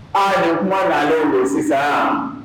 Ayiwa ni kuma'len ye sisan